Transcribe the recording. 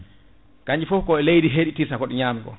kañƴi foof koye leydi he ɗi kirta koɗi ñami ko